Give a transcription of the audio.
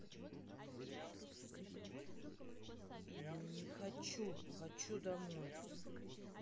ну не хочу хочу домой